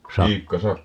Sakko